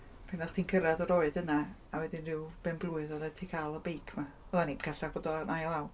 pan o'ch chdi'n cyrraedd yr oed yna a wedyn rhyw benblwydd oeddet ti'n cael y beic 'ma. Oedden ni'm callach bod o'n ail law.